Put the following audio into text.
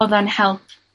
odd o'n help